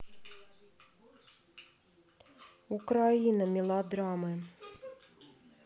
украина мелодрамы